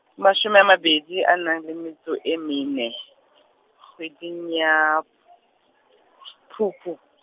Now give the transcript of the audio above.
mashome a mabedi a nang le metso e mene, kgweding ya, Phupu.